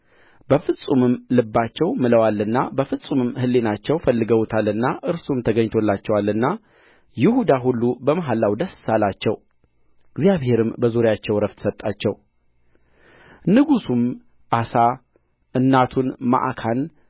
በፍጹምም ልባቸው ምለዋልና በፍጹምም ሕሊናቸው ፈልገውታልና እርሱም ተገኝቶላቸዋልና ይሁዳ ሁሉ በመሐላው ደስ አላቸው እግዚአብሔርም በዙሪያቸው ዕረፍት ሰጣቸው ንጉሡም አሳ እናቱን መዓካን